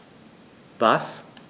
Was?